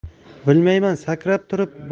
bilmayman sakrab turib